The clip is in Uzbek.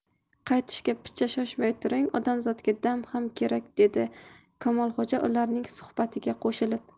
qaytishga picha shoshmay turing odamzodga dam ham kerak dedi kamolxo'ja ularning suhbatiga qo'shilib